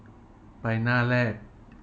ไปหน้าแรก